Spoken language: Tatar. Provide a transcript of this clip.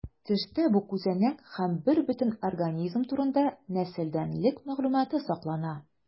Төштә бу күзәнәк һәм бербөтен организм турында нәселдәнлек мәгълүматы саклана.